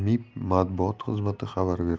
mib matbuot xizmati xabar bermoqda